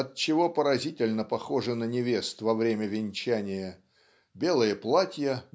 отчего поразительно похожи на невест во время венчания белые платья